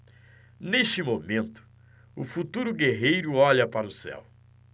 neste momento o futuro guerreiro olha para o céu